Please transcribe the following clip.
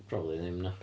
Probably ddim na?